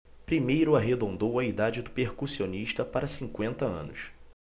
primeiro arredondou a idade do percussionista para cinquenta anos